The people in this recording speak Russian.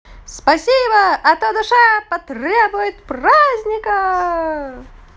спасибо а то душа потребует праздника